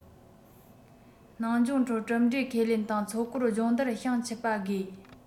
ནང སྦྱོང ཁྲོད གྲུབ འབྲས ཁས ལེན དང མཚོ སྐོར སྦྱོང བརྡར བྱང ཆུབ པ དགོས